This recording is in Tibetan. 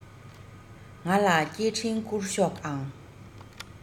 ང ལ སྐད འཕྲིན བསྐུར ཤོག ཨང